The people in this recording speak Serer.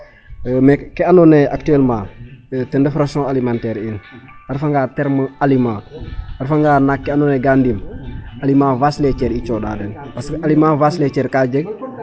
Ke andoona yee actuellement ten ref ration alimentaire in a refanga terme aliment a refanga naak ke andoona yee gaa ndim aliment vache les tiers i cooxaa den parce que aliment vache les tiers ka jeg.